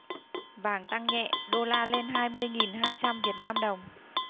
vàng tăng nhẹ đô la lên hai mươi nghìn hai trăm việt nam đồng